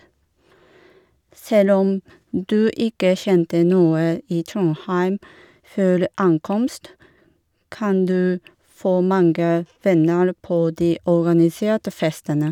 Selv om du ikke kjente noe i Trondheim før ankomst, kan du få mange venner på de organiserte festene.